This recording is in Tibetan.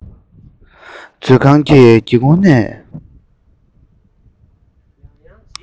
མཛོད ཁང གི སྒེའུ ཁུང ནས